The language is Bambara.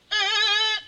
Ɛɛ